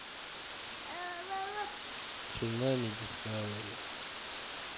цунами дискавери